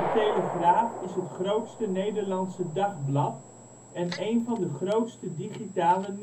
Telegraaf is het grootste Nederlandse dagblad en een van de grootste digitale